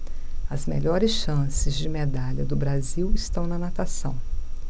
as melhores chances de medalha do brasil estão na natação